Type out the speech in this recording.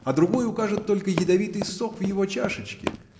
а другой укажет только ядовитый сок в его чашечке.